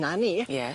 'Na ni. Ie.